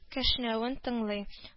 Кешнәвен тыңлый